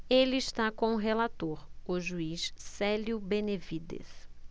ele está com o relator o juiz célio benevides